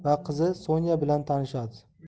va qizi sonya bilan tanishadi